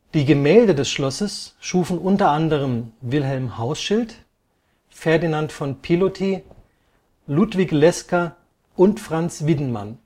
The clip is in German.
Die Gemälde des Schlosses schufen unter anderem Wilhelm Hauschild, Ferdinand von Piloty, Ludwig Lesker und Franz Widnmann